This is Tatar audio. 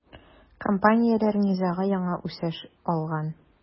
Компанияләр низагы яңа үсеш алган.